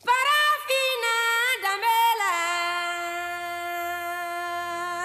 Sabaminiinɛ danbe la